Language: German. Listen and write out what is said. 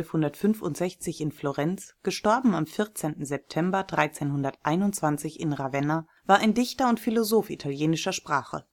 1265 in Florenz; † 14. September 1321 in Ravenna) war ein Dichter und Philosoph italienischer Sprache